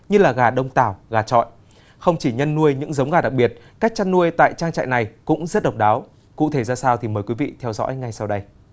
như là gà đông tảo gà chọi không chỉ nhân nuôi những giống gà đặc biệt cách chăn nuôi tại trang trại này cũng rất độc đáo cụ thể ra sao thì mời quý vị theo dõi ngay sau đây